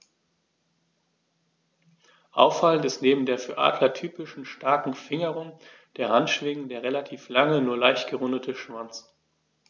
Auffallend ist neben der für Adler typischen starken Fingerung der Handschwingen der relativ lange, nur leicht gerundete Schwanz.